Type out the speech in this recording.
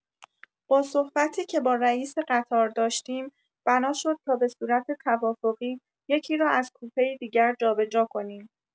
با صحبتی که با رئیس قطار داشتیم بنا شد تا به صورت توافقی یکی را از کوپه‌ای دیگر جابجا کنیم.